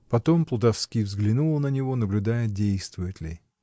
Потом плутовски взглянула на него, наблюдая, действует ли?